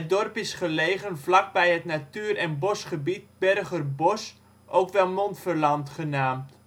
dorp is gelegen vlakbij het natuur - en bosgebied Bergherbos, ook wel Montferland genaamd